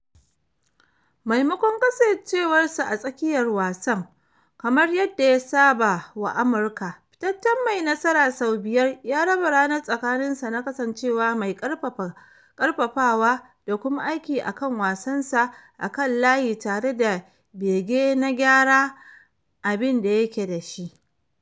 Maimakon kasancewarsa a tsakiyar wasan, kamar yadda ya saba wa Amurka, fitaccen mai nasara sau biyar ya raba ranar tsakaninsa na kasancewa mai karfafawa da kuma aiki a kan wasansa a kan layi tare da bege na gyara abin da yake da shi .